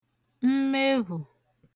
mmevhù